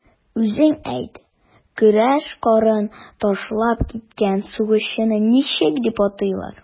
Үзең әйт, көрәш кырын ташлап киткән сугышчыны ничек дип атыйлар?